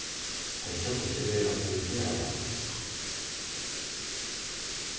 tey søgdu seg vera irriteraða